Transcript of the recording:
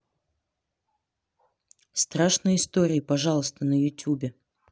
страшные истории пожалуйста на ютюбе